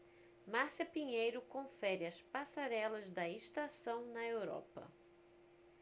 márcia pinheiro confere as passarelas da estação na europa